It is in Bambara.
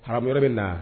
Haramu yɔrɔ be nin na a